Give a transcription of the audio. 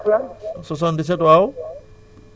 fàttali ma numéro téléphone bi